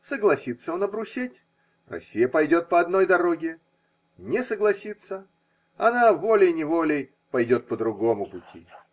Согласится он обрусеть – Россия пойдет по одной дороге, не согласится – она волей-неволей пойдет по другому пути.